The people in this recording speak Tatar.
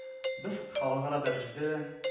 Без халыкара дәрәҗәдә дә